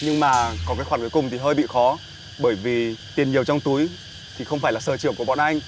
nhưng mà còn cái khoản cuối cùng thì hơi bị khó bởi vì tiền nhiều trong túi thì không phải là sở trường của bọn anh